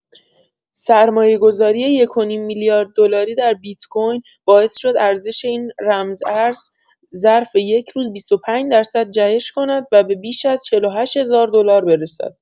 سرمایه‌گذاری یک و نیم میلیارد دلاری در بیت‌کوین باعث شد ارزش این رمز ارز ظرف یک روز ۲۵ درصد جهش کند و به بیش از ۴۸ هزار دلار برسد.